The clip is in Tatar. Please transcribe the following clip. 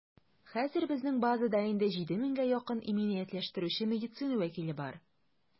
Хәзер безнең базада инде 7 меңгә якын иминиятләштерүче медицина вәкиле бар.